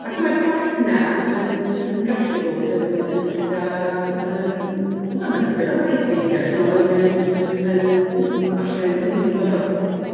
Ac mae'r gwaith 'na yn yn gallu bod yn yn eitha yym wel ma' tipyn o waith weithie, chimod ma' rywun yn falle yn cyflwyno do-...